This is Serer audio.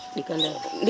ɗika nder le